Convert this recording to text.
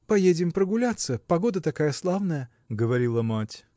– Поедем прогуляться: погода такая славная, – говорит мать.